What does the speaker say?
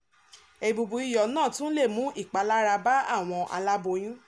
Èbùbù-iyọ̀ náà tún lè mú ìpalára bá àwọn aláboyún.